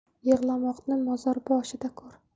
yig'lamoqni mozor boshida ko'r